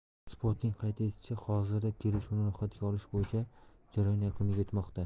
spot'ning qayd etishicha hozirda kelishuvni ro'yxatga olish bo'yicha jarayon yakuniga yetmoqda